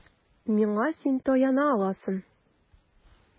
Миңа син таяна аласың.